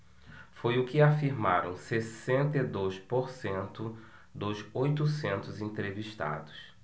foi o que afirmaram sessenta e dois por cento dos oitocentos entrevistados